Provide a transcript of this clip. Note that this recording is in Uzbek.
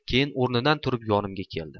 keyin o'rnidan turib yonimga keldi